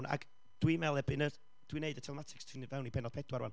Ac dwi'n meddwl, erbyn yr... dwi'n wneud y telematics, ti'n mynd fewn i pennod pedwar ŵan,